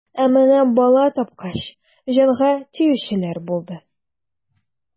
Ә менә бала тапкач, җанга тиючеләр булды.